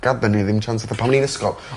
gaddon ni ddim chance pan o'n i yn ysgol